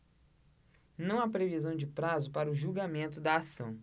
não há previsão de prazo para o julgamento da ação